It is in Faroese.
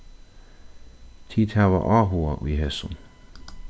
tit hava áhuga í hesum